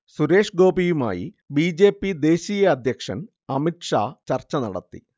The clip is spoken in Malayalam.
സുരേഷ് ഗോപിയുമായി ബി. ജെ. പി ദേശീയ അധ്യക്ഷൻ അമിത്ഷാ ചർച്ച നടത്തി